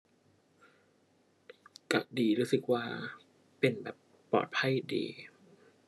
ก็ดี รู้สึกว่าเป็นแบบปลอดภัยดี